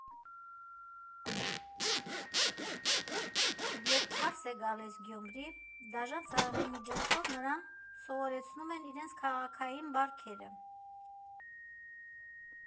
Երբ հարս է գալիս Գյումրի, դաժան ծաղրի միջոցով նրան սովորեցնում են իրենց քաղաքային բարքերը։